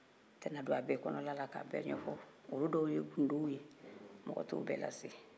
n tɛna don a bɛɛ kɔnɔna k'a bɛɛ ɲɛfɔ olu dɔw ye gindow ye mɔgɔ t'o bɛɛ lase